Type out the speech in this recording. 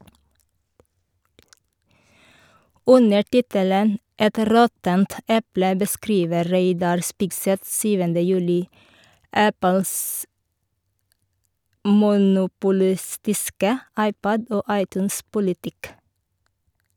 Under tittelen «Et råttent eple» beskriver Reidar Spigseth 7. juli Apples monopolistiske iPod- og iTunes-politikk.